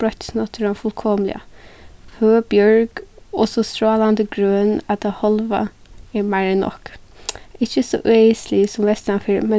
broyttist náttúran fullkomiliga høg bjørg og so strálandi grøn at tað hálva er meir enn nokk ikki so øðislig sum vestanfyri men